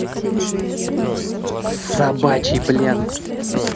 собачий плен